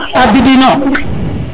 Abidine o